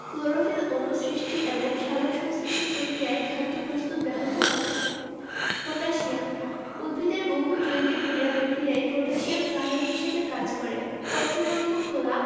chlorophyll অণু সৃষ্টি এবং সালোকসংশ্লেষণ প্রক্রিয়ায় খাদ্য প্রস্তুত ব্যাহত হবে পটাশিয়াম উদ্ভিদের বহু জৈবিক ক্রিয়া বিক্রিয়ায় পটাশিয়াম সহায়ক হিসেবে কাজ করে পত্ররন্ধ্র খেলা